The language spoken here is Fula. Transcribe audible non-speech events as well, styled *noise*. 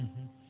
*hesitation* *hesitation*